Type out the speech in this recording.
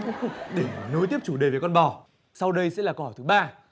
để nối tiếp chủ đề về con bò sau đây sẽ là câu hỏi thứ ba